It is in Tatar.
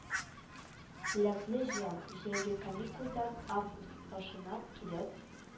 Лекле җан, җәйге каникулдан август башында ук килеп